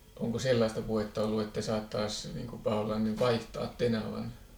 onko sellaista puhetta ollut että saattaisi niin kuin paholainen vaihtaa tenavan